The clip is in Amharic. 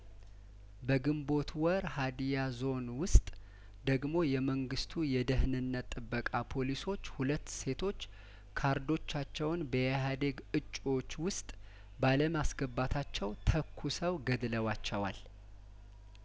በግንቦት ወር ሀድያዞን ውስጥ ደግሞ የመንግስቱ የደህንነት ጥበቃ ፖሊሶች ሁለት ሴቶች ካርዶቻቸውን በኢህአዴግ እጩዎች ውስጥ ባለማስገባታቸው ተኩሰው ገድለዋቸዋል